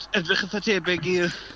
Edrych eitha tebyg i'r...